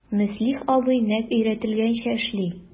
Мөслих абый нәкъ өйрәтелгәнчә эшли...